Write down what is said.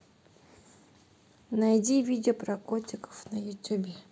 найди видео про котиков на ютубе